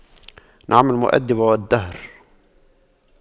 نعم المؤَدِّبُ الدهر